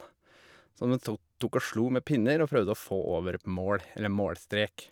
Som en tok tok og slo med pinner å prøvde å få over et mål eller målstrek.